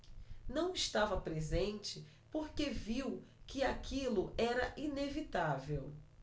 não estava presente porque viu que aquilo era inevitável